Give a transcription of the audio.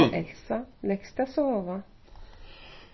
og elsa legst at sova